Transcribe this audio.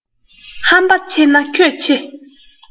ཧམ པ ཆེ ན ཁྱོད ཆེ